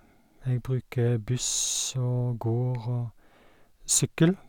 Jeg bruker buss og går og sykkel.